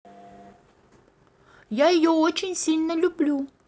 я ее очень сильно люблю